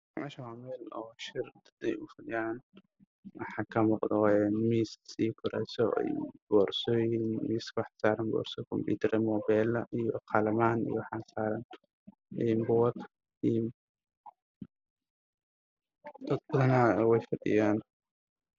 Waa xafiiska saxaafadda niman waxaa horyaala koonta racdaan ah kuraas waxa ay ku fadhiyaan guduud jaalle isugu jirto